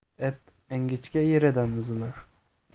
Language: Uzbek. ip ingichka yeridan uzilar